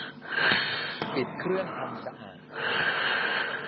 ปิดเครื่องทำสะอาด